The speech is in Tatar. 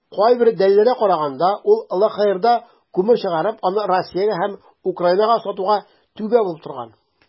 Кайбер дәлилләргә караганда, ул ЛХРда күмер чыгарып, аны Россиягә һәм Украинага сатуга "түбә" булып торган.